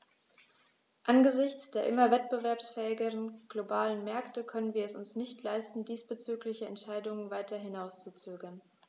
Angesichts der immer wettbewerbsfähigeren globalen Märkte können wir es uns nicht leisten, diesbezügliche Entscheidungen weiter hinauszuzögern.